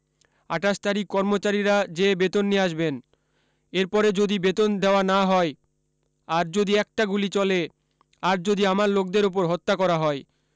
২৮ তারিখ কর্মচারীরা যেয়ে বেতন নিয়া আসবেন এর পরে যদি বেতন দেওয়া না হয় আর যদি একটা গুলি চলে আর যদি আমার লোকদের উপর হত্যা করা হয়